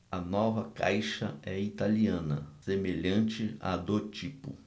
a nova caixa é italiana semelhante à do tipo